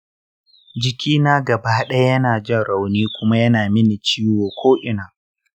jikina gaba ɗaya yana jin rauni kuma yana mini ciwo ko'ina.